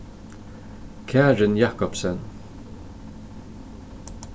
karin jacobsen